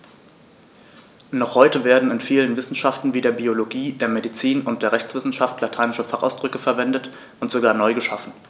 Noch heute werden in vielen Wissenschaften wie der Biologie, der Medizin und der Rechtswissenschaft lateinische Fachausdrücke verwendet und sogar neu geschaffen.